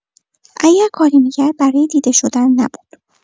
اگر کاری می‌کرد، برای دیده شدن نبود؛